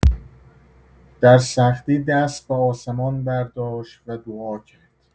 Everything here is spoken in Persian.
در سختی دست به آسمان برداشت و دعا کرد.